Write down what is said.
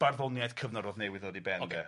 barddoniaeth cyfnodrodd newydd ddod i ben ocê.